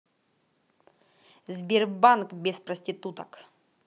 сбербанк без проституток